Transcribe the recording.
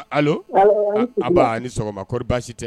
An b'a ni sɔgɔma koɔri baasi tɛ